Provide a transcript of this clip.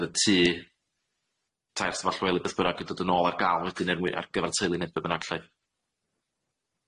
fydd y tŷ tair stafall wely beth bynnag yn dod yn ôl ar ga'l wedyn enwi ar gyfar teulu ne' be' bynnag lly?